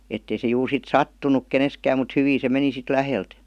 että ei se juuri sitten sattunut keneenkään mutta hyvin se meni sitten läheltä